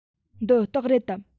འདི སྟག རེད དམ